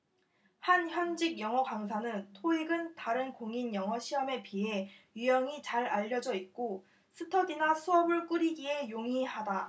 한 현직 영어강사는 토익은 다른 공인영어시험에 비해 유형이 잘 알려져 있고 스터디나 수업을 꾸리기에 용이하다